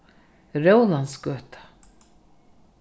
rólantsgøta